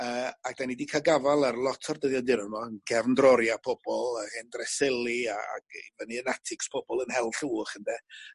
yy a 'dan ni 'di ca'l gafal ar lot o'r dyddiaduron 'mo yn cefn droria pobol a hen dreseli a ag i fyny yn atics pobol yn hel llwch ynde